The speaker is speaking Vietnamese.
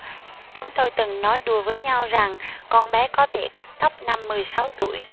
chúng tôi từng nói đùa với nhau rằng con bé có thể cắt tóc năm mười sáu tuổi